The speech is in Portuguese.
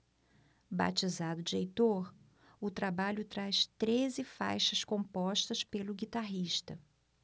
batizado de heitor o trabalho traz treze faixas compostas pelo guitarrista